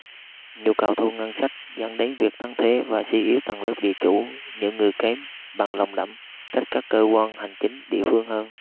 nhu cầu thu ngân sách dẫn đến việc tăng thuế và suy yếu tầng lớp địa chủ những người kém bằng lòng đảm trách các cơ quan hành chính địa phương hơn